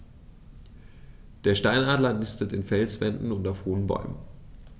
Der Steinadler nistet in Felswänden und auf hohen Bäumen.